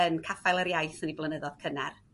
yn caffael yr iaith yn eu blynyddoedd cynnar.